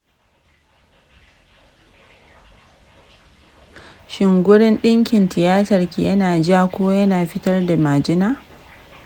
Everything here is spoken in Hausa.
shin gurin dinkin tiyatar ki yana ja ko yana fitar da majina?